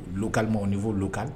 Lukama n ni fɔluka